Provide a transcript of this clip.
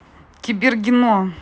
кибергино